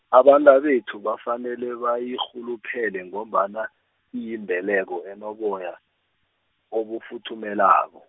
abantabethu bafanele bayirhuluphele ngombana, iyimbeleko enoboya, obufuthumelako.